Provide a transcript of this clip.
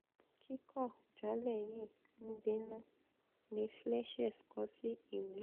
Kíkọ̀jálẹ̀ yìí ńbínu,'' ni Fleischer kọsí ìwé.